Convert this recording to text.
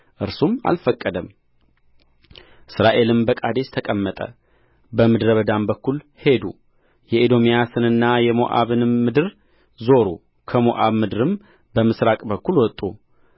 እርሱም አልፈቀደም እስራኤልም በቃዴስ ተቀመጠ በምድረ በዳም በኩል ሄዱ የኤዶምያስንና የሞዓብንም ምድር ዞሩ ከሞዓብ ምድርም በምሥራቅ በኩል መጡ